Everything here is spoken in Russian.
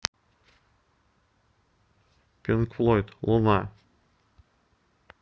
pink floyd луна